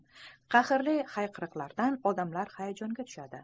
qahrli hayqiriqlardan odamlar hayajonga tushishadi